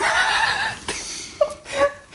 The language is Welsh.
Stopia.